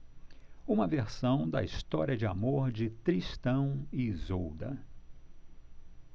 uma versão da história de amor de tristão e isolda